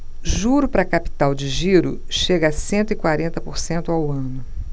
juro para capital de giro chega a cento e quarenta por cento ao ano